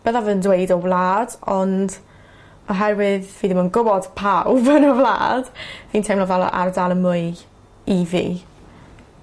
byddaf yn dweud y wlad ond oherwydd fi ddim yn gwbod pawb yn y wlad fi'n teimlo fel y ardal yn mwy i fi.